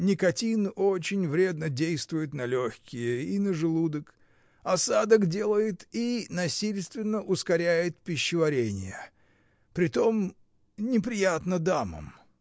Никотин очень вредно действует на легкие и на желудок: осадок делает и насильственно ускоряет пищеварение. Притом. неприятно дамам.